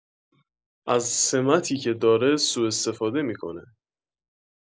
از سمتی که داره سو استفاده می‌کنه